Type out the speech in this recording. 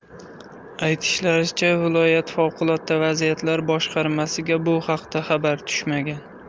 aytilishicha viloyat favqulotda vaziyatlar boshqarmasiga bu haqda xabar tushmagan